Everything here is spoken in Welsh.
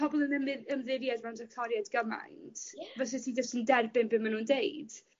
pobol yn imidd- ymddiried mewn doctoriaid gymaint... Ie. ...fyset ti jyst yn derbyn be' ma' nw'n deud.